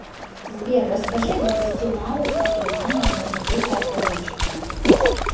сбер расскажи запусти навык кофемания может быть так получится